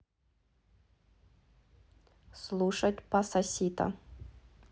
слушать пасасито